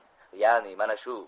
ya'ni mana shu